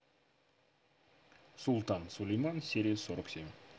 султан сулейман серия сорок семь